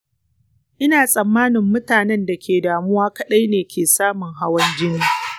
ina tsammani mutanen da ke damuwa kaɗai ne ke samun hawan jini.